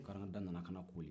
karangada nana koli